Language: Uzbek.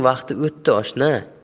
vaqti o'tdi oshna